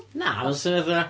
Na oedd o'n swnio fatha...